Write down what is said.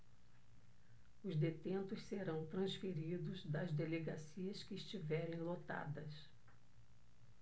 os detentos serão transferidos das delegacias que estiverem lotadas